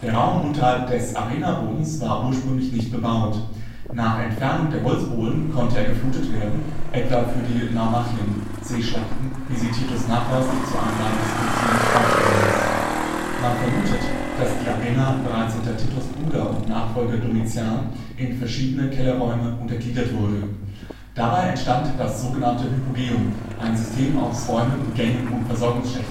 Raum unterhalb des Arenabodens war ursprünglich nicht bebaut. Nach Entfernung der Holzbohlen konnte er geflutet werden, etwa für die Naumachien (Seeschlachten), wie sie Titus nachweislich zur Einweihung des Kolosseums aufführen ließ. Man vermutet, dass die Arena bereits unter Titus ' Bruder und Nachfolger Domitian in verschiedene Kellerräume untergliedert wurde. Damit entstand das sogenannte hypogeum - ein System aus Räumen, Gängen und Versorgungsschächten